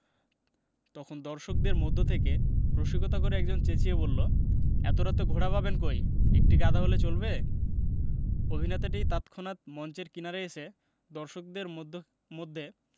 তখন দর্শকদের মধ্য থেকে রসিকতা করে একজন চেঁচিয়ে বললো এত রাতে ঘোড়া পাবেন কই একটি গাধা হলে চলবে অভিনেতাটি তৎক্ষনাত মঞ্চের কিনারে এসে দর্শকদের মধ্য মধ্যে